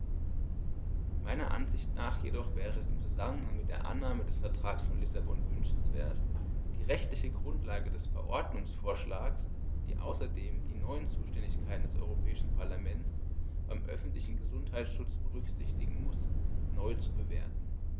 Meiner Ansicht nach jedoch wäre es im Zusammenhang mit der Annahme des Vertrags von Lissabon wünschenswert, die rechtliche Grundlage des Verordnungsvorschlags, die außerdem die neuen Zuständigkeiten des Europäischen Parlaments beim öffentlichen Gesundheitsschutz berücksichtigen muss, neu zu bewerten.